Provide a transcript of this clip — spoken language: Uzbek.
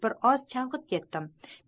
bir oz chalgib ketdim